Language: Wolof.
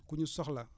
ku ñu soxla